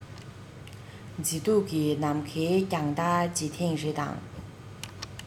མཛེས སྡུག གི ནམ མཁའི རྒྱང ལྟ བྱེད ཐེངས རེ དང